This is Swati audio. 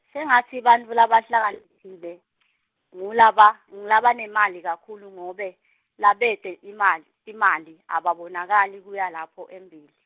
shengatsi bantfu labahla- phile, ngulaba- ngulabanemali kakhulu ngobe, labete imali, timali, ababonakali kuya lapho embili.